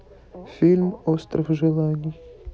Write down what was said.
фильм остров желаний